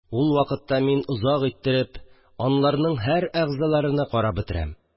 Ул вакытта мин озак иттереп, аларның һәр әгъзаларыны карап бетерәм